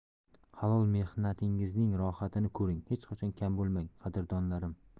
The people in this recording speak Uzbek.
halol mehnatingizning rohatini ko'ring hech qachon kam bo'lmang qadrdonlarim